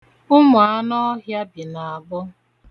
Ụmụ anụọhịa bi n'abọ.